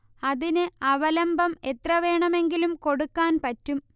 അതിന് അവലംബം എത്ര വേണമെങ്കിലും കൊടുക്കാൻ പറ്റും